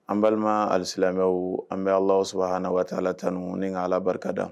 An balima alisilamɛw an bɛ Alahu subahana wataala tanu ni ka Ala barikada